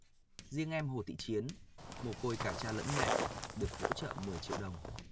riêng em hồ thị chiến mồ côi cả cha lẫn mẹ được hỗ trợ mười triệu đồng